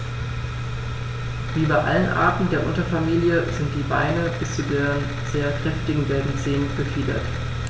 Wie bei allen Arten der Unterfamilie sind die Beine bis zu den sehr kräftigen gelben Zehen befiedert.